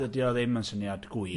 Dydy o ddim yn syniad gwych.